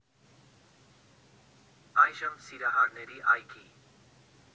Այժմ Սիրահարների այգի։